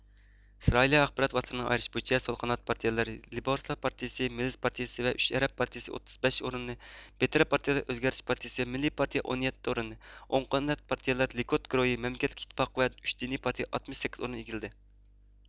ئىسرائىلىيە ئاخبارات ۋاسىتىلىرىنىڭ ئايرىشى بويىچە سول قانات پارتىيىلەر لېيبورىستلار پارتىيىسى مېلېز پارتىيىسى ۋە ئۈچ ئەرەب پارتىيىسى ئوتتۇز بەش ئورۇننى بىتەرەپ پارتىيىلەر ئۆزگەرتىش پارتىيىسى ۋە مىللىي پارتىيە ئون يەتتە ئورۇننى ئوڭ قانات پارتىيىلەر لىكۇد گۇرۇھى مەملىكەتلىك ئىتتىپاق ۋە ئۈچ دىنىي پارتىيە ئاتمىش سەككىز ئورۇننى ئىگىلىدى